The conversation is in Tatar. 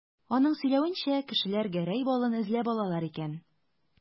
Аның сөйләвенчә, кешеләр Гәрәй балын эзләп алалар икән.